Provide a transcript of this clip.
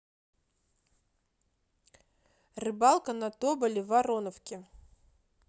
рыбалка на тоболе в вороновке